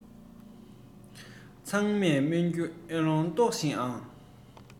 ཚང མས སྨོན རྒྱུ ཨེ ཡོང ལྟོས ཤིག ཨང